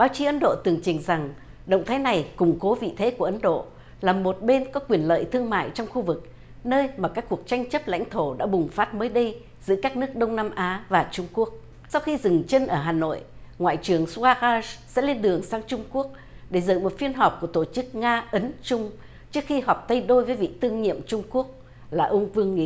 báo chí ấn độ tường trình rằng động thái này củng cố vị thế của ấn độ là một bên có quyền lợi thương mại trong khu vực nơi mà các cuộc tranh chấp lãnh thổ đã bùng phát mới đây giữa các nước đông nam á và trung quốc sau khi dừng chân ở hà nội ngoại trưởng sờ qua ga sẽ lên đường sang trung quốc để dự một phiên họp của tổ chức nga ấn trung trước khi họp tay đôi với việc tương nhiệm trung quốc là ông vương nghị